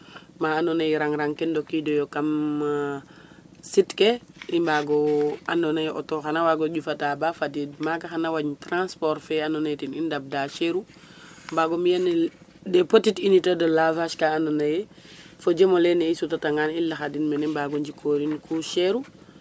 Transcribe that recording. Ma andoona ye rang-rang ke mbaag o ndokiidooyo sit ke i mbaag o andoona yee auto xan a waag o ƴufata ba fadiid maaga xana wañ tranport fe andoona yee ten i ndabda seru mbaag o mbi'anel des petite unité de lavage .Kaa andoona yee fo jem ole ne i sutatangaan i laxadtin mene mbaag o njikoorin cout chere u